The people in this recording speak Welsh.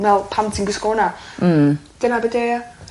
me'wl pam ti'n gwisgo wnna. Mm. Dyna be' 'di o ia?